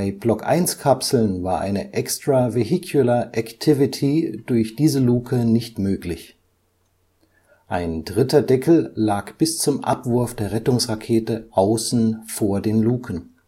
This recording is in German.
Block-I-Kapseln war eine EVA durch diese Luke nicht möglich. Ein dritter Deckel lag bis zum Abwurf der Rettungsrakete außen vor den Luken